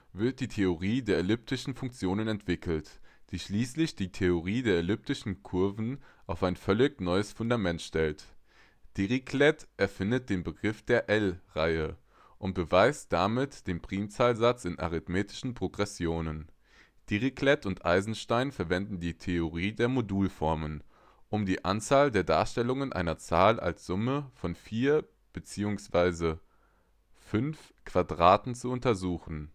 wird die Theorie der elliptischen Funktionen entwickelt, die schließlich die Theorie der elliptischen Kurven auf ein völlig neues Fundament stellt. Dirichlet erfindet den Begriff der L-Reihe und beweist damit den Primzahlsatz in arithmetischen Progressionen. Dirichlet und Eisenstein verwenden die Theorie der Modulformen, um die Anzahl der Darstellungen einer Zahl als Summe von vier bzw. fünf Quadraten zu untersuchen